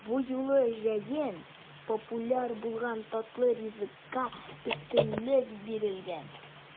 Бу юлы җәен популяр булган татлы ризыкка өстенлек бирелгән.